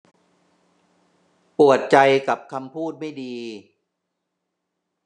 ปวดใจกับคำพูดไม่ดี